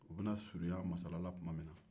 u bɛ na surunya masala la tuma min na